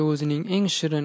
o'zining eng shirin